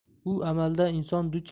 u amalda inson duch